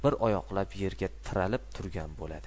bir oyoqlab yerga tiralib turgan bo'ladi